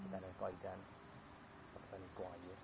Fod 'da ni'r goeden a fod 'da ni gwair.